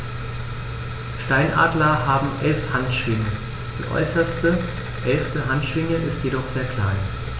Steinadler haben 11 Handschwingen, die äußerste (11.) Handschwinge ist jedoch sehr klein.